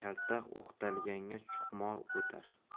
kaltak o'qtalganga cho'qmor ko'tar